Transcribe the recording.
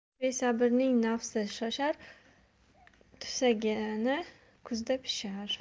besabrning nafsi shoshar tusagani kuzda pishar